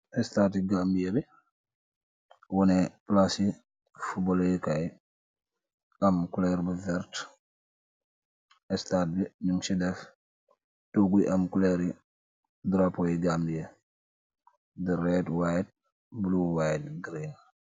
Estat ti Gambia bi, wone plasi fubolokaay am color bu verte, estat bi ñum ci def tugguy am color darappo yi Gambia ye the red white blue white green